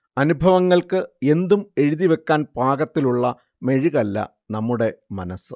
അനുഭവങ്ങൾക്ക് എന്തും എഴുതിവെക്കാൻ പാകത്തിലുള്ള മെഴുകല്ല നമ്മുടെ മനസ്സ്